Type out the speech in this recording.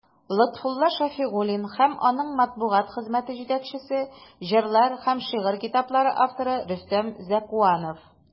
Лотфулла Шәфигуллин һәм аның матбугат хезмәте җитәкчесе, җырлар һәм шигырь китаплары авторы Рөстәм Зәкуанов.